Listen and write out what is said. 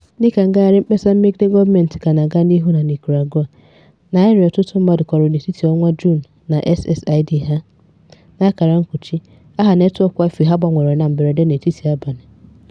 Dịka ngagharị mkpesa megide gọọmentị ka na-aga n'ihu na Nicaragua, narị ọtụtụ mmadụ kọrọ n'etiti ọnwa Juun na SSID ha (aha netwọk Wi-Fi ha) gbanwere na mberede n'etiti abalị.